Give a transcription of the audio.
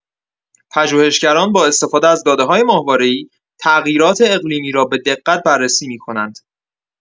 پژوهشگران با استفاده از داده‌های ماهواره‌ای تغییرات اقلیمی را به‌دقت بررسی می‌کنند.